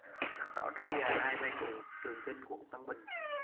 sắc đỏ trải dài hai bên đường trường chinh quận tân bình